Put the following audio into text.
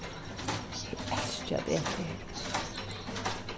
eg elski at eta her